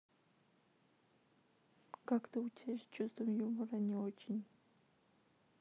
как то у тебя с чувством юмора не очень